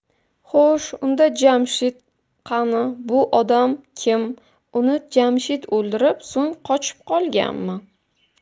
xo'sh unda jamshid qani bu odam kim uni jamshid o'ldirib so'ng qochib qolganmi